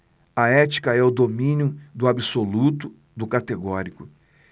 a ética é o domínio do absoluto do categórico